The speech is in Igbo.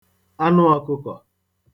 anụọ̄kụ̄kọ̀